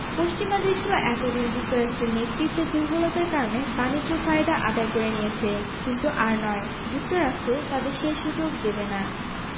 পশ্চিমা দেশগুলো এত দিন যুক্তরাষ্ট্রের নেতৃত্বের দুর্বলতার কারণে বাণিজ্য ফায়দা আদায় করে নিয়েছে কিন্তু আর নয় যুক্তরাষ্ট্র তাদের সে সুযোগ দেবে না